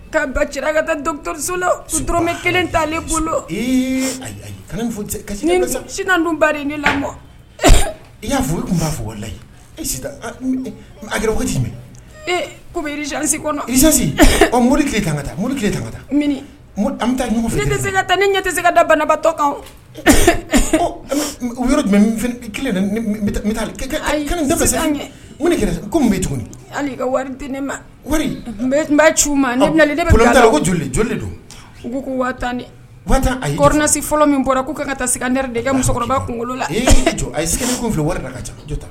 Ka ba ci ka taa dɔnkilitoso bɛ kelen talen bolo ayiina dunba lamɔ i y'a fɔ i tun b'a fɔla sisan a ee kɔmizalisi kɔnɔz mori kan ka taa mori ta ka taa an bɛ taa tɛse se ka taa ni ɲɛ tɛse se ka da banaanabatɔ kan u ayi kɛra ko bɛ tuguni hali i ka warit ne maci ma don u ko waati tan nisi fɔlɔ min bɔra k'u kan ka taa s ka nɛ de ka musokɔrɔba kunkolo la jɔ ayi ye sigi fɛ wari la ka ca